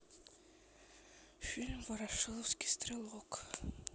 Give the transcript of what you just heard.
фильм ворошиловский стрелок